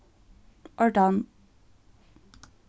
ordan